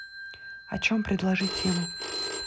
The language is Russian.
о чем предложи тему